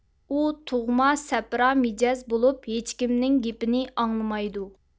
ئۇ تۇغما سەپرا مىجەز بولۇپ ھېچكىمنىڭ گېپىنى ئاڭلىمايدۇ